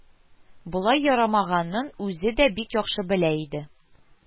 Болай ярамаганын үзе дә бик яхшы белә иде